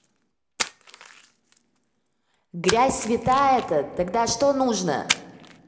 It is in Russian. грязь святая то тогда что нужно